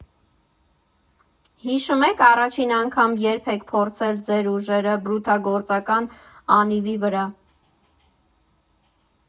Հիշո՞ւմ եք՝ առաջին անգամ ե՞րբ եք փորձել ձեր ուժերը բրուտագործական անիվի վրա։